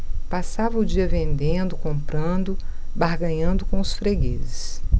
passava o dia vendendo comprando barganhando com os fregueses